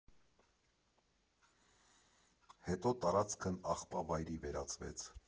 Հետո տարածքն աղբավայրի վերածվեց։